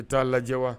I t'a lajɛ wa